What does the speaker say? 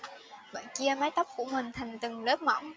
bạn chia mái tóc của mình thành từng lớp mỏng